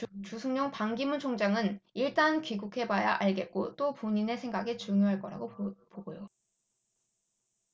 주승용 반기문 총장은 일단 귀국해 봐야 알겠고 또 본인의 생각이 중요할 거라고 보고요